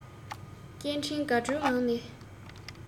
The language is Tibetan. སྐད འཕྲིན དགའ སྤྲོའི ངང ནས